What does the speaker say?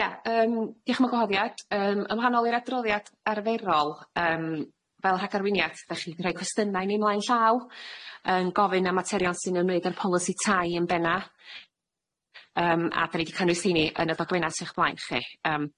Ia yym dioch am y gwahoddiad yym yn wahanol i'r adroddiad arferol yym fel rhag arwiniad dach chi'n rhoi cwestyna i ni mlaen llaw yn gofyn am materion sy'n ymwneud â'r polisi tai yn benna yym a 'da ni 'di cynnwys heini yn y dogfenna sy o'ch blaen chi.